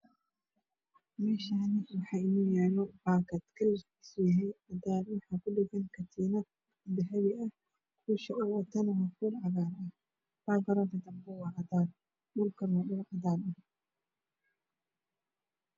Meeshaan waxaa inoo yaala baakad cadaan ah waxaa kudhagan katiinad dahabi ah. Meesha ay taalana waa cagaar baygaroonka dambe waa cadaan. Dhulkuna waa cadaan.